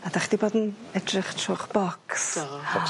...a 'dach chdi bod yn edrych trw'ch bocs? Do. Bocs...